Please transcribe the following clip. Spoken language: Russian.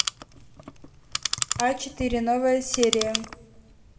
а четыре новая серия